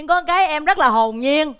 có cái em rất là hồn nhiên